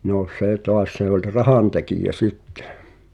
no se taas se oli rahantekijä sitten